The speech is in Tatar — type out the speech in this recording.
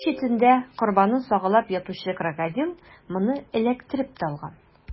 Су читендә корбанын сагалап ятучы Крокодил моны эләктереп тә алган.